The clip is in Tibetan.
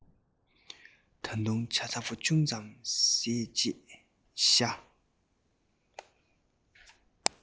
དུས རྒྱུན བཞིན ལྕགས ཐབ འོག ཏུ